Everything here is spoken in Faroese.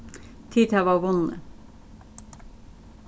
tit hava vunnið